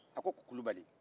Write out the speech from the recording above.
a ko kulubali